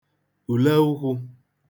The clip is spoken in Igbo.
ùleụkwụ̄